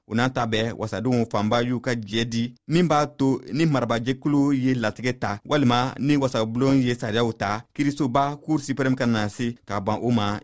o n'a ta bɛɛ wasadenw fanba y'u ka diɲɛ di min b'a to ni marabaajɛkulu ye latigɛw ta walima ni wasabulon ye sariyaw ta kiirisoba cour supreme kana se ka ban o ma